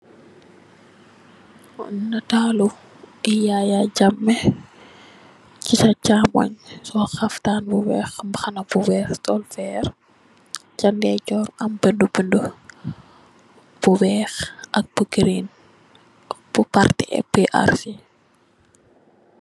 Mu am naatalu yaya jammeh, chi sa chaamongh sol khaftan bu wekh, mbahanah bu wekh, sol vehrre, cha ndeyjorr am bindu bindu bu wekh ak bu girin bu parti APRC.